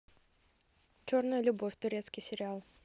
черная любовь турецкий сериал